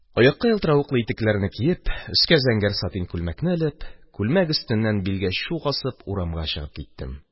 Аякка ялтыравыклы итекләрне киеп, өскә зәңгәр сатин күлмәкне элеп, күлмәк өстеннән билгә чук асып, урамга чыгып киттем.